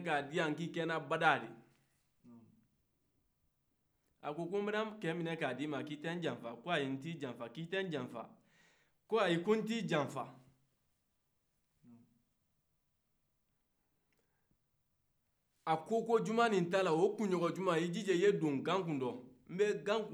ko aji ko nti janfa k'itɛ njanfa ko aji ko nt'i janfa a ko ko juma ni tala o kunɲɔgɔn juma i jija i ka dɔn gankundo nbɛ gankundo sɛ n'a mɔgɔ mina ka d'i ma